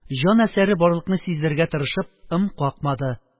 Җан әсәре барлыкны сиздерергә тырышып «ым» какмады